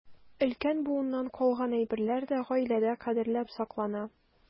Өлкән буыннан калган әйберләр дә гаиләдә кадерләп саклана.